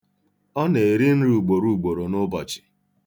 Ọ na-eri nri ugboruugboro n'ụbọchị.